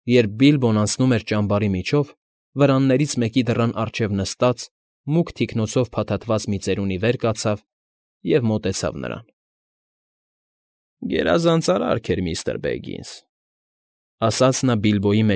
Երբ Բիլբոն անցնում էր ճամբարի միջոց, վրաններից մեկի դռան առջև նստած, մուգ թիկնոցով փաթաթված մի ծերունի վեր կացավ և մոտեցավ նրան. ֊ Գերազանց արարք էր, միստր Բեգինս,֊ ասաց նա Բիլբոյի։